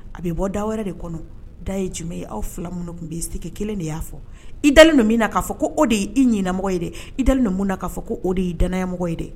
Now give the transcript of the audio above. A bɛ bɔ da wɛrɛ de kɔnɔ da ye jumɛn ye aw fila minnu tun bɛ yen sike kelen de y'a fɔ i dalen don min na k'a fɔ ko o de ye i ɲinininamɔgɔ ye dɛ i dalen don min na k'a fɔ ko o de y' dayamɔgɔ ye dɛ